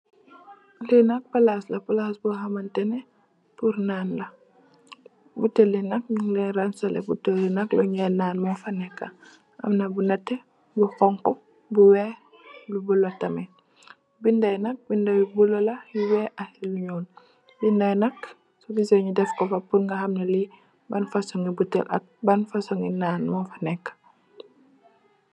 Lee nak plase la plase bu hamtane purr naanla botele ye nak nug len ransele botele ye nak lunu naan mufa neka amna bu neteh bu xonxo bu weex lu bulo tamin beda ye nak beda yu bulo la yu weex ak yu nuul beda ye nak su gisse nu def kufa purr ga ham ban fosung botele ak ban fosunge naan mufa neka.